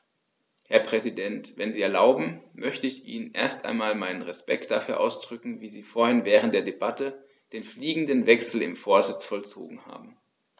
Herr Präsident, wenn Sie erlauben, möchte ich Ihnen erst einmal meinen Respekt dafür ausdrücken, wie Sie vorhin während der Debatte den fliegenden Wechsel im Vorsitz vollzogen haben.